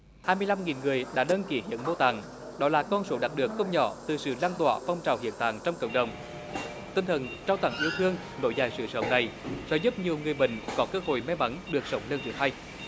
hai mươi lăm nghìn người đã đăng ký hiến mô tạng đó là con số đạt được không nhỏ từ sự lan tỏa phong trào hiến tạng trong cộng đồng tinh thần trao tặng yêu thương nối dài sự sống này sẽ giúp nhiều người bệnh có cơ hội may mắn được sống lần thứ hai